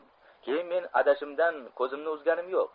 keyin men adashimdan ko'zimni uzganim yo'q